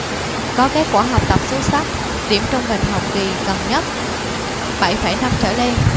có kết quả học tập xuất sắc điểm trung bình học kỳ gần nhất bảy phẩy năm trở lên